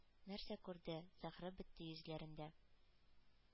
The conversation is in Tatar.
Нәрсә күрде?! — Зәһре бетте йөзләрендә,